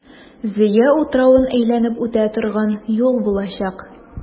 Зөя утравын әйләнеп үтә торган юл булачак.